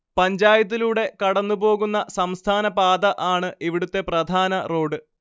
പഞ്ചായത്തിലൂടെ കടന്നുപോകുന്ന സംസ്ഥാനപാത ആണ് ഇവിടുത്തെ പ്രധാന റോഡ്